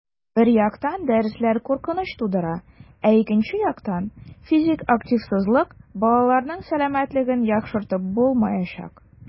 Бер яктан, дәресләр куркыныч тудыра, ә икенче яктан - физик активлыксыз балаларның сәламәтлеген яхшыртып булмаячак.